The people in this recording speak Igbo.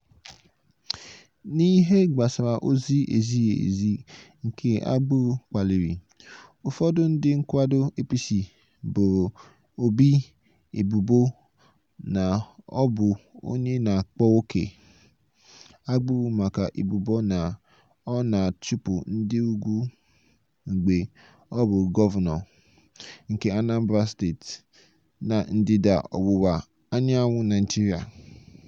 N'ihe gbasara ozi ezighi ezi nke agbụrụ kpaliri, ụfọdụ ndị nkwado APC boro Obi ebubo na ọ bụ onye na-akpa ókè agbụrụ maka ebubo na ọ na-achụpụ ndị ugwu mgbe ọ bụ gọvanọ nke Anambra State, na ndịda ọwụwa anyanwụ Naịjirịa.